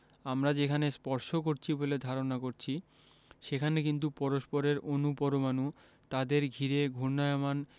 আমরা যেখানে স্পর্শ করছি বলে ধারণা করছি সেখানে কিন্তু পরস্পরের অণু পরমাণু তাদের ঘিরে ঘূর্ণায়মান